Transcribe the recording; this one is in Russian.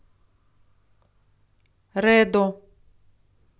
redo